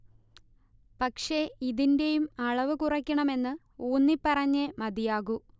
പക്ഷെ ഇതിന്റെയും അളവ് കുറക്കണമെന്ന് ഊന്നി പറഞ്ഞേ മതിയാകൂ